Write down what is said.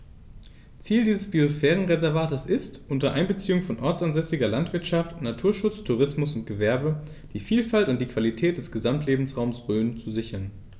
Ziel dieses Biosphärenreservates ist, unter Einbeziehung von ortsansässiger Landwirtschaft, Naturschutz, Tourismus und Gewerbe die Vielfalt und die Qualität des Gesamtlebensraumes Rhön zu sichern.